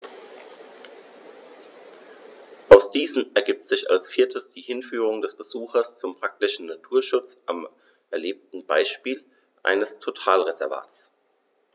Aus diesen ergibt sich als viertes die Hinführung des Besuchers zum praktischen Naturschutz am erlebten Beispiel eines Totalreservats.